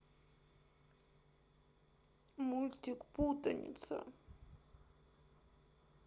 мультик путаница